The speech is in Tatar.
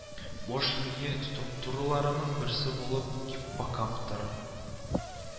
Баш мие структураларының берсе булып гиппокамп тора